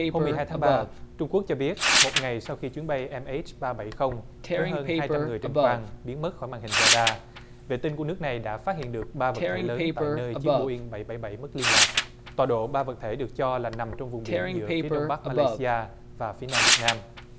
hôm mười hai tháng ba trung quốc cho biết một ngày sau khi chuyến bay em ết ba bảy không với hơn hai trăm người trên khoang biến mất khỏi màn hình ra đa vệ tinh của nước này đã phát hiện được ba vật thể lớn tại nơi chiếc bô inh bảy bảy bảy mất liên lạc tọa độ ba vật thể được cho là nằm trong vùng biển giữa phía đông bắc ma lay si a và phía nam việt nam